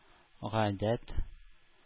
Гадәт